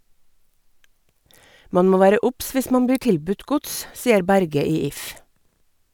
Man må være obs hvis man blir tilbudt gods, sier Berge i If.